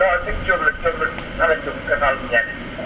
waaw kii Diop la Diop la Talla Diop Kër Saalum Diané